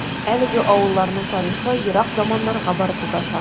Әлеге авылларның тарихы ерак заманнарга барып тоташа.